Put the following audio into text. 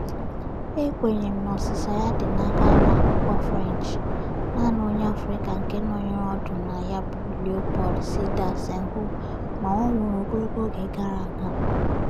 E kwenyere m na ọsịsa ya dị n'aka Ụlọakwụkwọ French: naanị onye Afrịka nke nọnyere ọdụ na ya bụ Léopold Sédar Senghor, ma ọ nwụrụ ogologo oge gara aga.